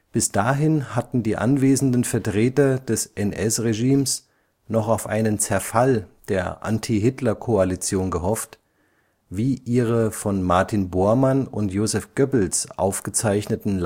Bis dahin hatten die anwesenden Vertreter des NS-Regimes noch auf einen Zerfall der Anti-Hitler-Koalition gehofft, wie ihre von Martin Bormann und Joseph Goebbels aufgezeichneten